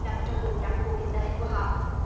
nằm trong vùng đặc khu kinh tế của họ